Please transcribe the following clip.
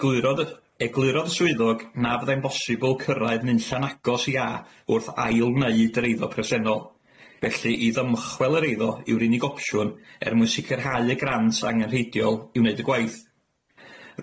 Egluro- eglurodd y swyddog na fyddai'n bosibl cyrraedd nunlla'n agos i a wrth ail wneud yr eiddo presennol, felly i ddymchwel yr eiddo yw'r unig opsiwn er mwyn sicrhau y grant angenrheidiol i wneud y gwaith.